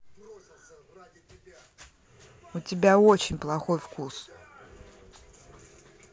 у тебя очень плохой вкус